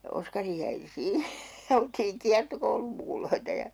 ja Oskari jäi - ja oltiin kiertokoulunmukuloita ja